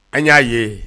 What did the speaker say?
An y'a ye